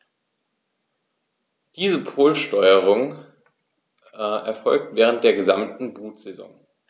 Diese Polsterung erfolgt während der gesamten Brutsaison.